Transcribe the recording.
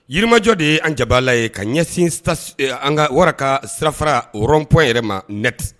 Yirimajɔ de ye an jabaala ye ka ɲɛsin wara ka sirafara pɔn yɛrɛ ma nt